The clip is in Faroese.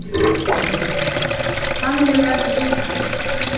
hann hevur eisini ís við